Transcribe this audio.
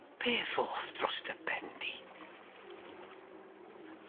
Be' ddoth dros dy ben di?